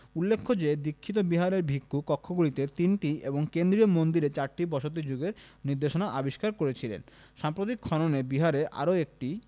উল্লেখ্য যে দীক্ষিত বিহারের ভিক্ষু কক্ষগুলিতে তিনটি এবং কেন্দ্রীয় মন্দিরে চারটি বসতি যুগের নির্দেশনা আবিষ্কার করেছিলেন সাম্প্রতিক খননে বিহারে আরও একটি